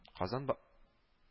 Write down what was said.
Казан ба